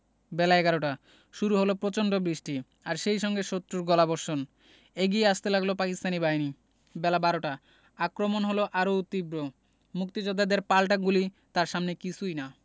বেলা এগারোটা শুরু হলো প্রচণ্ড বৃষ্টি আর সেই সঙ্গে শত্রুর গোলাবর্ষণ এগিয়ে আসতে লাগল পাকিস্তানি বাহিনী বেলা বারোটা আক্রমণ হলো আরও তীব্র মুক্তিযোদ্ধাদের পাল্টা গুলি তার সামনে কিছুই না